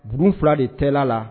B fila de tɛ la